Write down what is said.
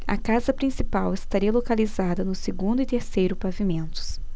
a casa principal estaria localizada no segundo e terceiro pavimentos